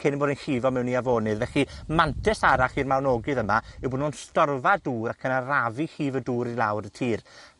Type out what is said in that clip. cyn bod e'n llifo mewn i afonydd. Felly, mantes arall i'r mawnogydd yma yw bo' nw'n storfa dŵr ac yn arafu llif y dŵr i lawr y tir.